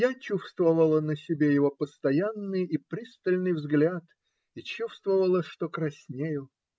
Я чувствовала на себе его постоянный и пристальный взгляд и чувствовала, что краснею.